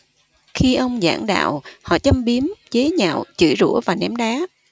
khi ông giảng đạo họ châm biếm chế nhạo chửi rủa và ném đá